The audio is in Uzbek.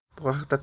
bu haqda